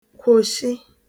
kwòshị